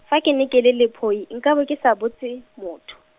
fa ke ne ke le lephoi, nka bo ke sa botse, motho.